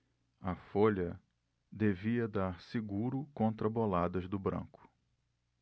a folha devia dar seguro contra boladas do branco